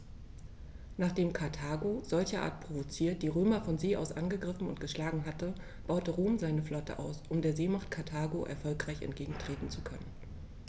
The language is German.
Nachdem Karthago, solcherart provoziert, die Römer von See aus angegriffen und geschlagen hatte, baute Rom seine Flotte aus, um der Seemacht Karthago erfolgreich entgegentreten zu können.